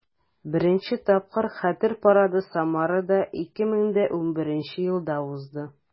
Беренче тапкыр Хәтер парады Самарада 2011 елда узды.